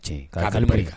Tiɲɛ ka